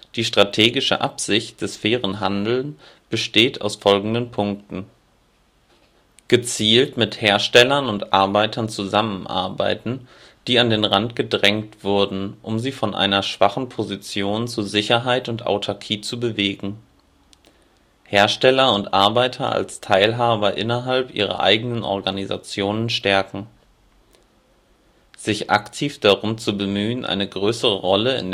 Die strategische Absicht des fairen Handeln besteht aus folgenden Punkten: Gezielt mit Herstellern und Arbeitern zusammenarbeiten, die an den Rand gedrängt wurden, um sie von einer sehr schwachen Position zu Sicherheit und Autarkie zu bewegen Hersteller und Arbeiter als Teilhaber innerhalb ihrer eigenen Organisationen stärken sich aktiv darum zu bemühen, eine größere Rolle